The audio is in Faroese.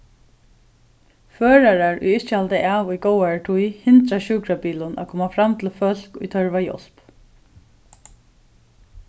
førarar ið ikki halda av í góðari tíð hindra sjúkrabilum at koma fram til fólk ið tørva hjálp